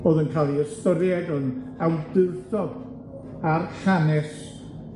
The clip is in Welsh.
o'dd yn ca'l 'i ystyried yn awdurdod ar hanes